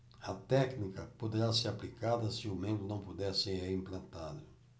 a técnica poderá ser aplicada se o membro não puder ser reimplantado